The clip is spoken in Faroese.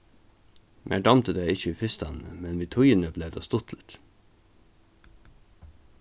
mær dámdi tað ikki í fyrstani men við tíðini bleiv tað stuttligt